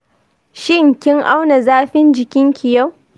shin kin auna zafin jikinki yau?